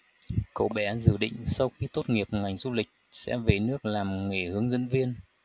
cô bé dự định sau khi tốt nghiệp ngành du lịch sẽ về nước làm nghề hướng dẫn viên